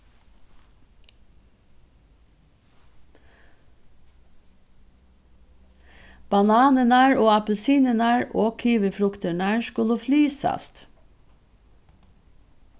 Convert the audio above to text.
bananirnar og appilsinirnar og kivifruktirnar skulu flysast